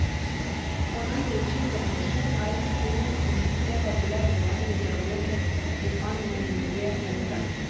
Аның беренче әңгәмәдәше "альт-уң" мохиттә популяр булган видеоблогер Стефан Молинье булды.